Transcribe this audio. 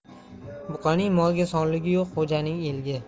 buqaning molga sonligi yo'q xo'janing elga